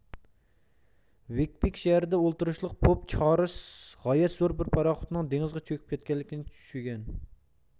ۋېكپىك شەھىرىدە ئولتۇرۇشلۇق پوپ چارس غايەت زور بىر پاراخوتنىڭ دېڭىزغا چۆكۈپ كەتكەنلىكىنى چۈشىگەن